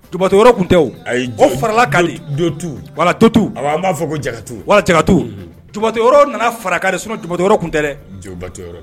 Tubatɔ tun tɛ a ye jɔ farala ka dontutotu a an b'a fɔ ko jatukatu tubatɔ nana farakan sun tun tɛba